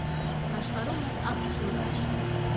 Աշխարհումս ախ չիմ քաշի։